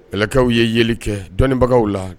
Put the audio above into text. Kɛlɛkaw ye yeeli kɛ dɔnbagaw la